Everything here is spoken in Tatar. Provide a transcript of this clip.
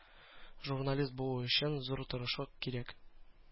Журналист булу өчен зур тырышлык кирәк.